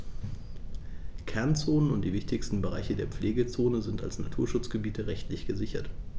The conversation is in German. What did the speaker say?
Kernzonen und die wichtigsten Bereiche der Pflegezone sind als Naturschutzgebiete rechtlich gesichert.